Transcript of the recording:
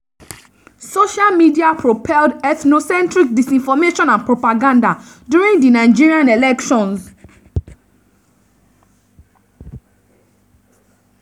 Social media propelled ethnocentric disinformation and propaganda during the Nigerian elections